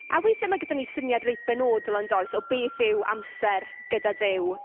A weithiau mae gyda ni syniad reit benodol, yn does, o beth yw amser gyda Duw.